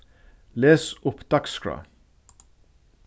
les upp dagsskrá